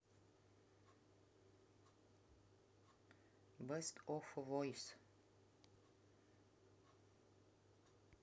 бест оф войс